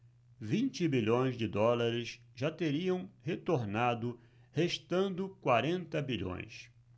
vinte bilhões de dólares já teriam retornado restando quarenta bilhões